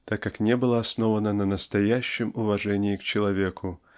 так как не было основано на настоящем уважении к человеку